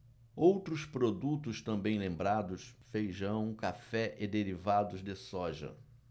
outros produtos também lembrados feijão café e derivados de soja